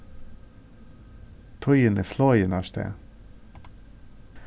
tíðin er flogin avstað